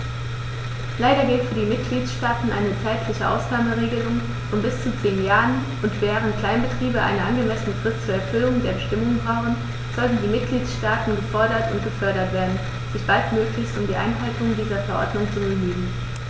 Leider gilt für die Mitgliedstaaten eine zeitliche Ausnahmeregelung von bis zu zehn Jahren, und, während Kleinbetriebe eine angemessene Frist zur Erfüllung der Bestimmungen brauchen, sollten die Mitgliedstaaten gefordert und gefördert werden, sich baldmöglichst um die Einhaltung dieser Verordnung zu bemühen.